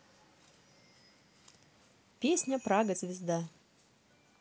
песня прага звезда